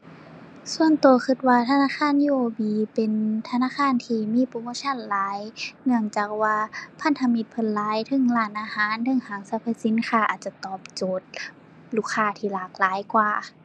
ส่วนตัวตัวว่าธนาคาร UOB เป็นธนาคารที่มีโปรโมชันหลาย เนื่องจากว่าพันธมิตรเพิ่นหลาย เทิงร้านอาหาร เทิงห้างสรรพสินค้า อาจจะตอบโจทย์ลูกค้าที่หลากหลายกว่า